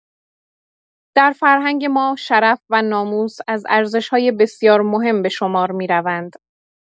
در فرهنگ ما، شرف و ناموس از ارزش‌های بسیار مهم به شمار می‌روند.